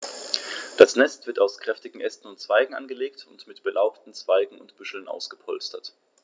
Das Nest wird aus kräftigen Ästen und Zweigen angelegt und mit belaubten Zweigen und Büscheln ausgepolstert.